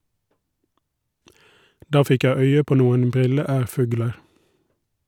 Da fikk jeg øye på noen brilleærfugler.